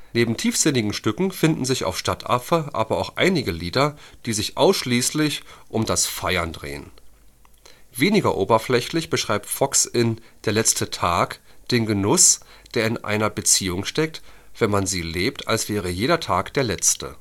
Neben tiefsinnigen Stücken finden sich auf Stadtaffe aber auch einige Lieder, die sich ausschließlich um das Feiern drehen. Weniger oberflächlich beschreibt Fox in Der letzte Tag den Genuss, der in einer Beziehung steckt, wenn man sie lebt, als wäre jeder Tag der letzte